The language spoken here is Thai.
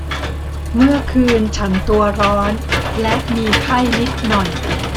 เมื่อคืนฉันตัวร้อนและมีไข้นิดหน่อย